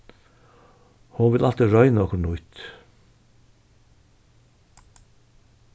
hon vil altíð royna okkurt nýtt